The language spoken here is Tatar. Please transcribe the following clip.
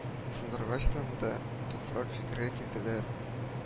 Сындыргачтын да туфрак фикергә килделәр